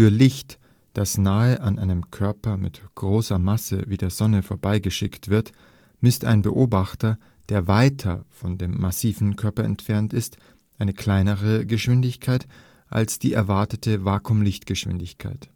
Licht, das nahe an einem Körper mit großer Masse, wie der Sonne, vorbeigeschickt wird, misst ein Beobachter, der weiter von dem massiven Körper entfernt ist, eine kleinere Geschwindigkeit als die erwartete Vakuumlichtgeschwindigkeit